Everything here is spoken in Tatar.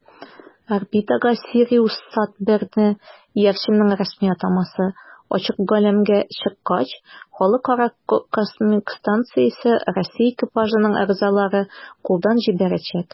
Орбитага "СириусСат-1"ны (иярченнең рәсми атамасы) ачык галәмгә чыккач ХКС Россия экипажының әгъзалары кулдан җибәрәчәк.